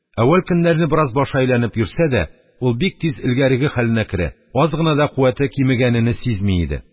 Әүвәл көннәрне бераз башы әйләнеп йөрсә дә, ул бик тиз элгәреге хәленә керә, аз гына да куәте кимегәнене сизми иде.